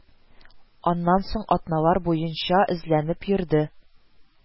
Аннан соң атналар буенча эзләнеп йөрде